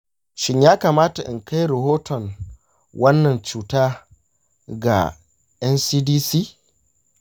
shin ya kamata in kai rahoton wannan cuta ga ncdc?